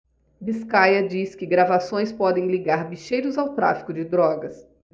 biscaia diz que gravações podem ligar bicheiros ao tráfico de drogas